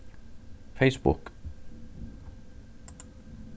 facebook